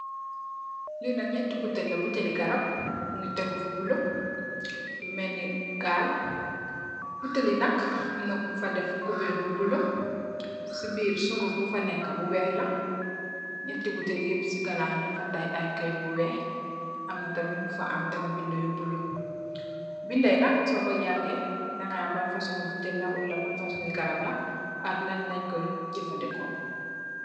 Lii nak ñaati butel la, buteli garab, mu ngi teggu fu bulo, mu melni gaal. Buteli nak,.. kubeer bu bulo, si biir suñguf bu nekkë, bu weex la, ñatti buteli yeep ñung fa tay kayit bu weex, am tam bu am ay bindë bulo. Bina yi nak, so ko jangee, da ngaa xam ban fasoñ garab ak lan luñ Koy jafëndeko.